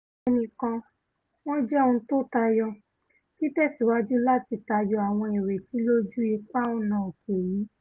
Sí ẹnìkan, wọ́n j̇ẹ́ ohun tó tayọ, títẹ̀síwájú láti tayọ àwọn ìrètí lójú ipa ọ̀nà òké yìí.